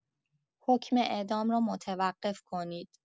حکم اعدام رو متوقف کنید.